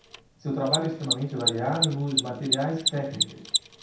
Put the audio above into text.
seu trabalho é extremamente variado no uso de materiais e técnicas